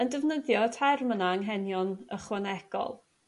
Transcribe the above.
yn defnyddio y term yna anghenion ychwanegol